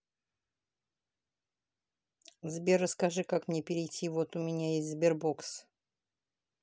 сбер расскажи как мне перейти вот у меня есть sberbox